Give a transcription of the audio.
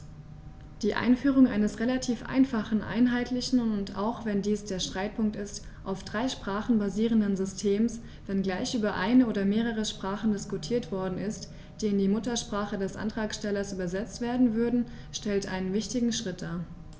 Die Einführung eines relativ einfachen, einheitlichen und - auch wenn dies der Streitpunkt ist - auf drei Sprachen basierenden Systems, wenngleich über eine oder mehrere Sprachen diskutiert worden ist, die in die Muttersprache des Antragstellers übersetzt werden würden, stellt einen wichtigen Schritt dar.